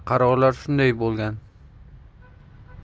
qarorlar shunday bo'lgan